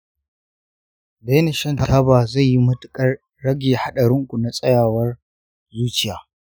daina shan-taba zai yi matuƙar rage haɗarinku na tsayawara zuciya